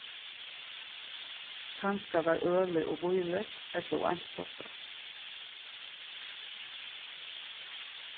kanska var ølið ov bíligt ella ov einstáttað